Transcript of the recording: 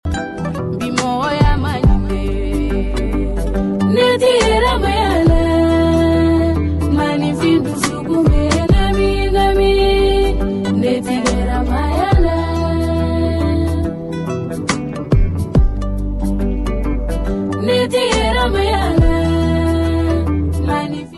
Miniyanɛlɛ neti bɛ manfin bɛ le la nitigi bɛya la